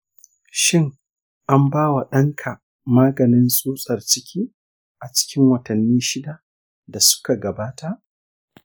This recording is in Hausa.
shin an ba wa ɗan ka maganin tsutsar ciki a cikin watanni 6 da suka gabata?